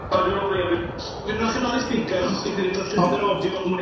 Odw fi fi fi'n rhoi chi ymlaen i speaker, achos fi'n credu falle bydd yr audio yn well...